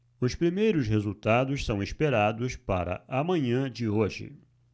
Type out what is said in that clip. os primeiros resultados são esperados para a manhã de hoje